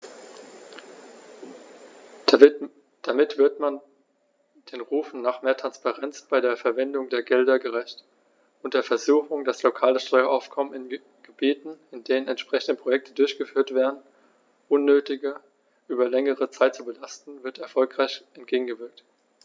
Damit wird man den Rufen nach mehr Transparenz bei der Verwendung der Gelder gerecht, und der Versuchung, das lokale Steueraufkommen in Gebieten, in denen entsprechende Projekte durchgeführt werden, unnötig über längere Zeit zu belasten, wird erfolgreich entgegengewirkt.